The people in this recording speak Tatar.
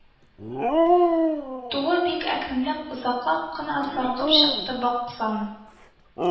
Туы бик әкренләп, озаклап кына «саркып чыкты»: баксаң,